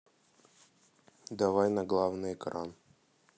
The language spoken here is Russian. давай на главный экран